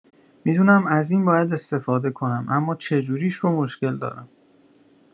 می‌دونم از این باید استفاده کنم، اما چجوریش رو مشکل دارم.